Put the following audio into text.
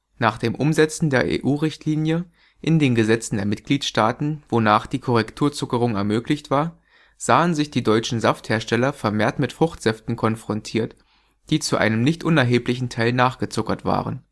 Nach dem Umsetzen der EU-Richtlinie in den Gesetzen der Mitgliedsstaaten, wonach die Korrekturzuckerung ermöglicht war, sahen sich die deutschen Safthersteller vermehrt mit Fruchtsäften konfrontiert, die zu einem nicht unerheblichen Teil nachgezuckert waren